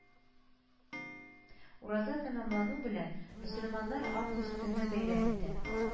Ураза тәмамлану белән, мөселманнар август көнне бәйрәм итә